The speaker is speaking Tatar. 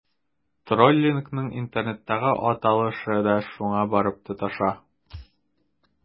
Троллингның интернеттагы аталышы да шуңа барып тоташа.